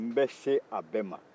n bɛ s'a bɛɛ ma